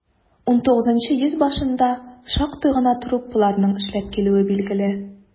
XIX йөз башында шактый гына труппаларның эшләп килүе билгеле.